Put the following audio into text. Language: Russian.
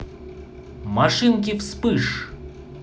машинки вспыш